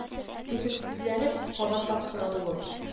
Түземсезләнеп, кабатлап сорады ул: